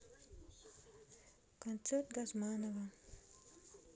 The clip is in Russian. концерт газманова